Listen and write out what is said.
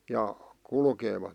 ja kulkevat